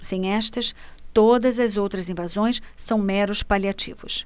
sem estas todas as outras invasões são meros paliativos